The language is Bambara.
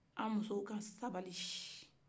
an muso ka sabali